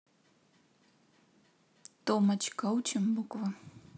томочка учим буквы